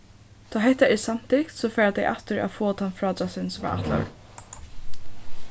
tá hetta her er samtykt so fara tey aftur at fáa tann frádráttin sum var ætlaður